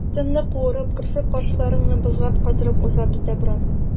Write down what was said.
Тынны куырып, керфек-кашларыңны бозга катырып уза бездә буран.